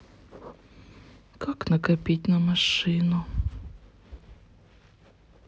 как накопить на машину